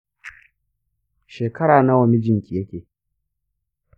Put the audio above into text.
shekara nawa mijinki yake?